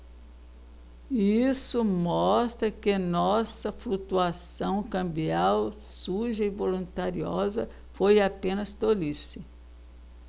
isso mostra que nossa flutuação cambial suja e voluntariosa foi apenas tolice